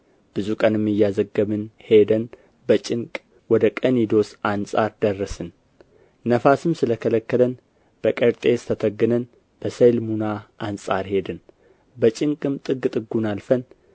ብዙ ቀንም እያዘገምን ሄደን በጭንቅ ወደ ቀኒዶስ አንጻር ደረስን ነፋስም ስለ ከለከለን በቀርጤስ ተተግነን በሰልሙና አንጻር ሄድን በጭንቅም ጥግ ጥጉን አልፈን